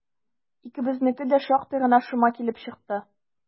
Икебезнеке дә шактый гына шома килеп чыкты.